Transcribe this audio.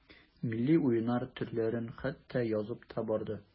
Милли уеннар төрләрен хәтта язып та барды.